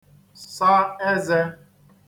sa ezē